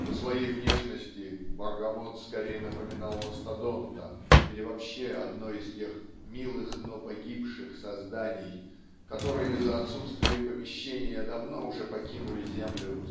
"по своей внешности Баргамот скорее напоминал мастодонта или вообще одно из тех милых но погибших созданий которые за отсутствием помещения давно уже покинули землю